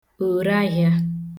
òreahịā